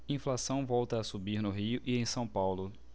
inflação volta a subir no rio e em são paulo